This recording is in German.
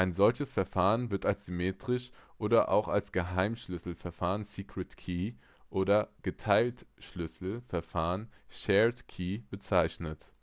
solches Verfahren wird als symmetrisch oder auch als ein Geheimschlüssel-Verfahren (Secret-Key) oder Geteiltschlüssel-Verfahren (Shared-Secret) bezeichnet